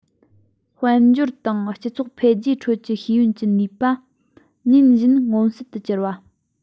དཔལ འབྱོར དང སྤྱི ཚོགས འཕེལ རྒྱས ཁྲོད ཀྱི ཤེས ཡོན གྱི ནུས པ ཉིན བཞིན མངོན གསལ དུ གྱུར པ